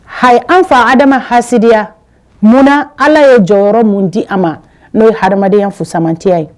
Hawa ye an fa Adama hasidiya munna Ala ye jɔyɔrɔ mun di a ma , no ye hadenya fusamantiya ye.